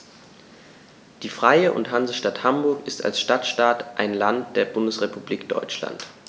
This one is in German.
Die Freie und Hansestadt Hamburg ist als Stadtstaat ein Land der Bundesrepublik Deutschland.